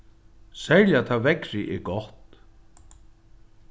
serliga tá veðrið er gott